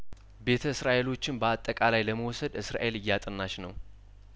ቤተ እስራኤሎችን በአጠቃላይ ለመውሰድ እስራኤል እያጠናች ነው